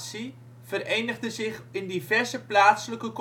verenigden zich in diverse plaatselijke